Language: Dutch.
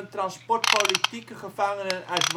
transport politieke gevangenen uit